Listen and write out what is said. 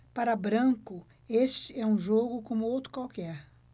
para branco este é um jogo como outro qualquer